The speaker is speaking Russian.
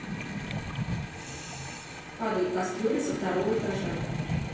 падают кастрюли со второго этажа